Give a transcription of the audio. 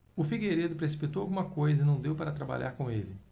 o figueiredo precipitou alguma coisa e não deu para trabalhar com ele